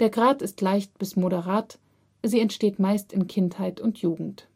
Grad ist leicht bis moderat, sie entsteht meist in Kindheit und Jugend